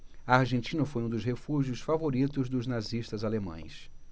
a argentina foi um dos refúgios favoritos dos nazistas alemães